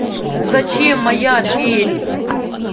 зачем моя дверь